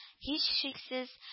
Һичшиксез